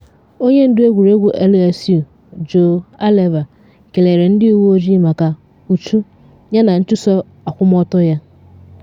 Onye ndu egwuregwu LSU Joe Alleva kelere ndị uwe ojii maka “uchu yana nchuso akwụmọtọ ya.”